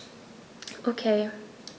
Okay.